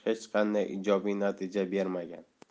hech qanday ijobiy natija bermagan